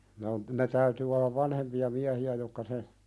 ne on ne täytyy olla vanhempia miehiä jotka se